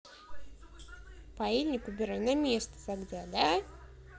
поильник убирай на место тогда да